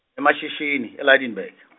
eMashishini e- Lydenburg .